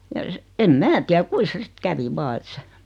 ja se en minä tiedä kuinka se sitten kävi vain että se